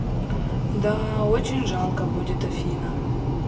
да очень жалко будет афина